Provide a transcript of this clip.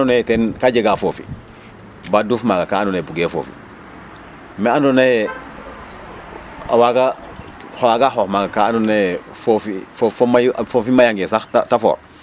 mais andoona yee ten kaa jega foofi ba duuf maaga ka andoona ye bugee foofi me andoona yee a waaga waaga xoox maaga ka andoona yee foofi foofi mayu foofi mayanngee sax ta for